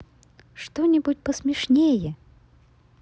что нибудь посмешнее